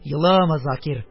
Елама, Закир...